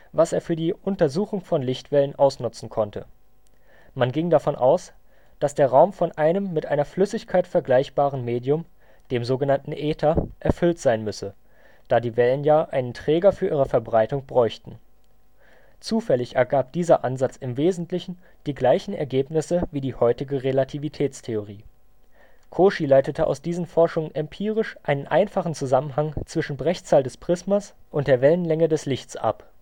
was er für die Untersuchung von Lichtwellen ausnutzen konnte. Man ging davon aus, dass der Raum von einem mit einer Flüssigkeit vergleichbaren Medium, dem sogenannten Äther, erfüllt sein müsse, da die Wellen ja einen Träger für ihre Verbreitung bräuchten. Zufällig ergab dieser Ansatz im Wesentlichen die gleichen Ergebnisse wie die heutige Relativitätstheorie. Cauchy leitete aus diesen Forschungen empirisch einen einfachen Zusammenhang zwischen Brechzahl des Prismas und der Wellenlänge des Lichts ab